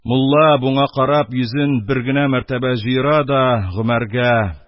Мулла, буңа карап йөзен бер генә мәртәбә җыера да, Гомәргә: